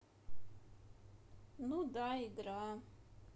ну да игра